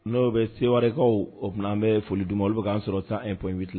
N'o bɛ sewakaw o tunan bɛ foli duman olu bɛ' sɔrɔ sanpybiti